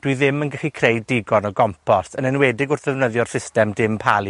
dwi ddim yn gallu creu digon o gompost, yn enwedig wrth ddefnyddio'r system dim palu.